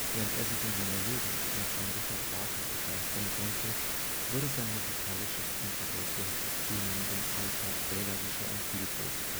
Während er sich in seiner Jugend noch an Richard Wagner begeistern konnte, wurde sein musikalisches Interesse mit zunehmendem Alter wählerischer und vielfältiger